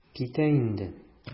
Китә инде.